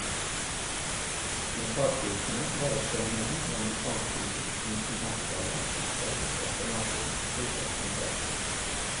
«McCarthyisme» var et fenomen i amerikansk politikk på 1950-tallet, oppkalt etter senator Joseph McCarthy.